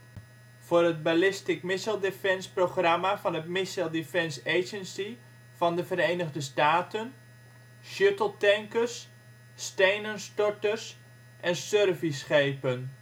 voor het Ballistic Missile Defense (BMDS) programma van het Missile Defense Agency (MDA) van de Verenigde Staten. Shuttletankers Stenenstorters Surveyschepen